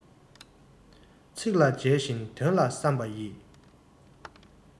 ཚིག ལ མཇལ ཞིང དོན ལ བསམ པ ཡིས